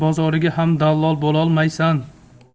bozoriga ham dallol bo'lolmaysan